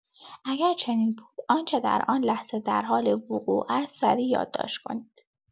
اگر چنین بود، آنچه در آن لحظه در حال وقوع است سریع یادداشت کنید.